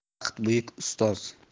vaqt buyuk ustoz